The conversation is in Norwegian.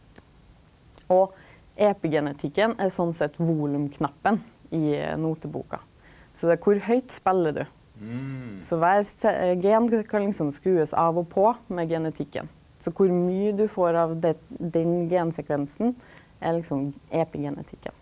og epigenetikken er sånn sett volumknappen i noteboka, så det er kor høgt speler du, så kvar gen kan liksom skruast av og på med genetikken, så kor mykje du får av det den gensekvensen er liksom epigenetikken.